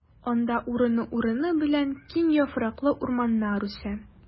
Анда урыны-урыны белән киң яфраклы урманнар үсә.